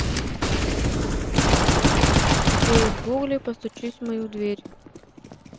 вбей в гугле постучись в мою дверь